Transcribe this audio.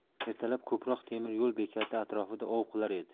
ertalab ko'proq temir yo'l bekati atrofida ov qilar edi